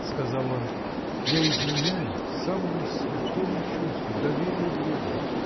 — сказал он, — я изменяю самому святому чувству — доверию друга.